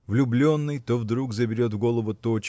Влюбленный то вдруг заберет в голову то